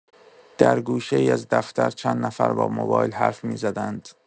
در گوشه‌ای از دفتر چند نفر با موبایل حرف می‌زدند.